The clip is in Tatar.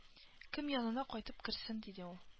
Кем янына кайтып керсен диде ул